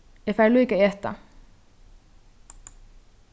eg fari líka at eta